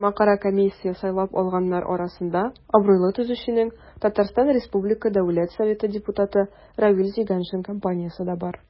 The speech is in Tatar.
Тармакара комиссия сайлап алганнар арасында абруйлы төзүченең, ТР Дәүләт Советы депутаты Равил Зиганшин компаниясе дә бар.